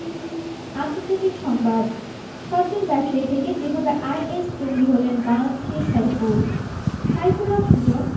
আন্তর্জাতিক সংবাদ সজ্জন ব্যবসায়ী থেকে যেভাবে আইএস জঙ্গি হলেন বাংলাদেশি সাইফুল সাইফুল হক সুজন